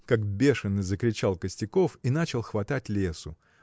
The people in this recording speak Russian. – как бешеный закричал Костяков и начал хватать лесу.